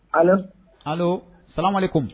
Allo , allo salaamu aleyikum